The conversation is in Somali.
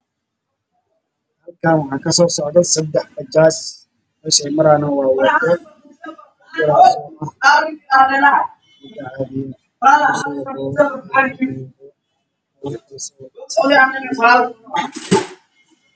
Halkaan waxa kasoo socdo sedex bajaaj oo guduud ah